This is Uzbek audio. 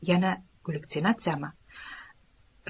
yana gallyutsinatsiyami